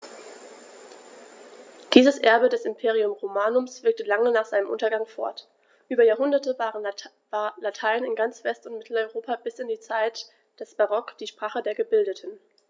Dieses Erbe des Imperium Romanum wirkte lange nach seinem Untergang fort: Über Jahrhunderte war Latein in ganz West- und Mitteleuropa bis in die Zeit des Barock die Sprache der Gebildeten.